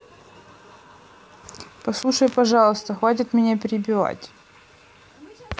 послушать пожалуйста хватит меня перебивать